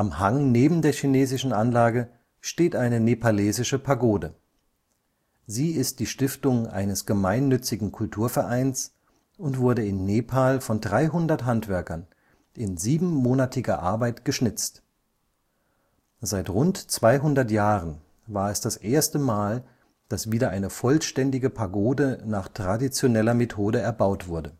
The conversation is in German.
Hang neben der chinesischen Anlage steht eine nepalesische Pagode. Sie ist die Stiftung eines gemeinnützigen Kulturvereins und wurde in Nepal von 300 Handwerkern in siebenmonatiger Arbeit geschnitzt. Seit rund 200 Jahren war es das erste Mal, dass wieder eine vollständige Pagode nach traditioneller Methode erbaut wurde